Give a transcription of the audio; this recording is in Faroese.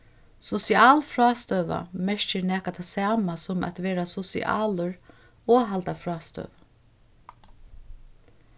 sosialfrástøða merkir nakað tað sama sum at vera sosialur og halda frástøðu